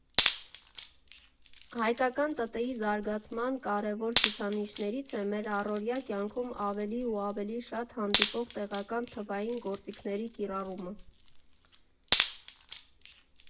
Հայկական ՏՏ֊ի զարգացման կարևոր ցուցանիշներից է մեր առօրյա կյանքում ավելի ու ավելի շատ հանդիպող տեղական թվային գործիքների կիրառումը։